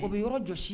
O bɛ yɔrɔ jɔsi